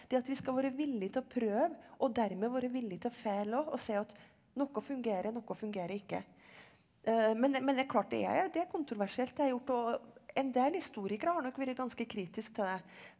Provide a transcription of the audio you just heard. det at vi skal være villig til å prøve og dermed være villig til å feile òg og si at noe fungerer noe fungerer ikke, men det men det er klart det er det er kontroversielt det jeg har gjort og en del historikere har nok vært ganske kritisk til det.